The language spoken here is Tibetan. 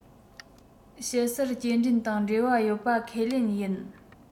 དཔྱིད གསར སྐྱེལ འདྲེན དང འབྲེལ བ ཡོད པ ཁས ལེན ཡིན